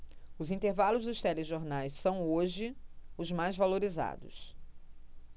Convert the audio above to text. os intervalos dos telejornais são hoje os mais valorizados